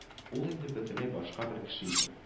Ул инде бөтенләй башка бер кеше иде